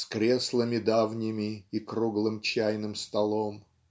с креслами давними и круглым чайным столом".